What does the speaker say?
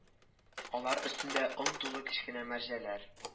Алар өстендә он тулы кечкенә мәрҗәләр